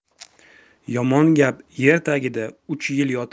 yomon gap yer tagida uch yil yotar